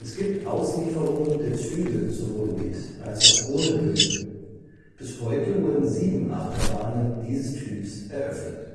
gibt Auslieferungen der Züge sowohl mit als auch ohne Böden. Bis heute wurden sieben Achterbahnen dieses Typs eröffnet